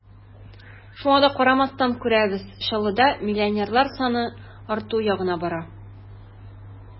Шуңа да карамастан, күрәбез: Чаллыда миллионерлар саны арту ягына бара.